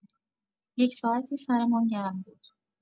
یک‌ساعتی سرمان گرم بود.